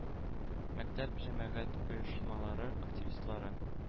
Мәктәп җәмәгать оешмалары активистлары,